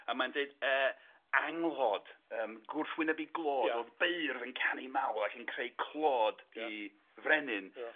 A mae'n dweud yy anghlod yym gwrthwyneb i glod. Iawn. O'dd beirdd yn canu mawl ac yn creu clod i frenin. Ia.